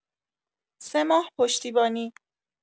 ۳ ماه پشتیبانی